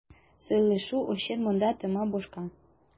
Сөйләшү өчен монда тема башка.